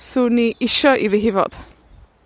'swn i isio iddi hi fod.